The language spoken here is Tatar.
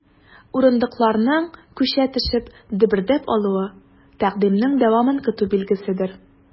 Урындыкларның, күчә төшеп, дөбердәп алуы— тәкъдимнең дәвамын көтү билгеседер.